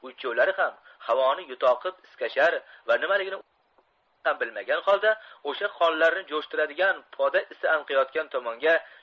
uchovlari ham havoni yutoqib iskashar va nimaligini o'zlari ham bilmagan holda o'sha qonlarni jo'shtiradigan poda isi anqiyotgan tomonga